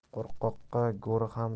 qo'rqoqqa go'r ham